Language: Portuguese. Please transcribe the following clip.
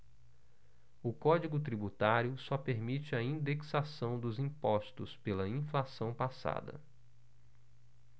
o código tributário só permite a indexação dos impostos pela inflação passada